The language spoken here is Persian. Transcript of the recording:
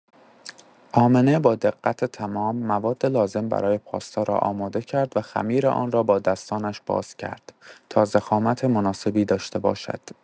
آمنه با دقت تمام، مواد لازم برای پاستا را آماده کرد و خمیر آن را با دستانش باز کرد تا ضخامت مناسبی داشته باشد.